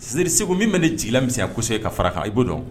Ssiriri segu min bɛ ne ji la miyasɔ ye ka fara kan i b'o dɔn